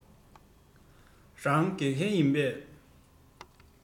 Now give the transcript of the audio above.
རང དགེ རྒན ཡིན པས